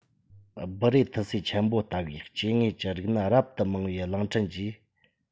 སྦུ རེ ཐི སི ཆེན པོ ལྟ བུའི སྐྱེ དངོས ཀྱི རིགས སྣ རབ ཏུ མང བའི གླིང ཕྲན གྱིས